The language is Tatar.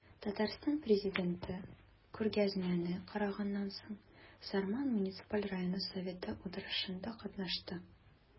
Татарстан Президенты күргәзмәне караганнан соң, Сарман муниципаль районы советы утырышында катнашты.